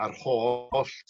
a'r holl